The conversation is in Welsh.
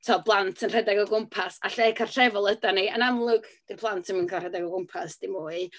Tibod, blant yn rhedeg o gwmpas. A lle cartrefol ydan ni. Yn amlwg 'di plant ddim yn cael rhedeg o gwmpas dim mwy.